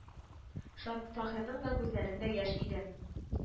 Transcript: Ша Таһирның да күзләрендә яшь иде